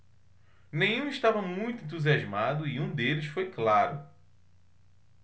nenhum estava muito entusiasmado e um deles foi claro